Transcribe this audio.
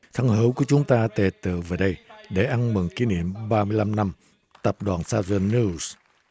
thân hữu của chúng ta tề tựu về đây để ăn mừng kỷ niệm ba mươi lăm năm tập đoàn se vần niu